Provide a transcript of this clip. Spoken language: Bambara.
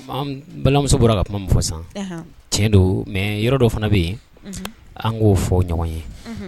An balimamuso bɔra ka kuma min fɔ san tiɲɛ don mɛ yɔrɔ dɔ fana bɛ yen an k'o fɔ ɲɔgɔn ye